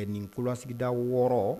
Bɛ nin tulosigida wɔɔrɔ